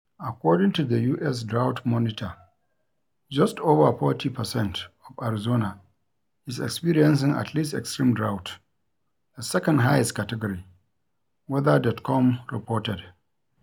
According to the U.S. Drought Monitor, just over 40 percent of Arizona is experiencing at least extreme drought, the second highest category," weather.com reported.